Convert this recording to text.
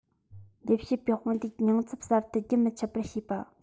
ལས བྱེད པའི དཔུང སྡེ རྙིང ཚབ གསར མཐུད རྒྱུན མི འཆད པར བྱས བ